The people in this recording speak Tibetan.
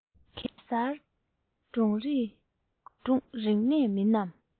གེ སར སྒྲུང རིག གནས མིན ནམ